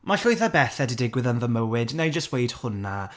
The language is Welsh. Mae llwyth o bethe 'di digwydd yn fy mywyd, wna i jyst weud hwnna.